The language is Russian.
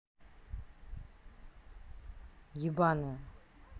ебанная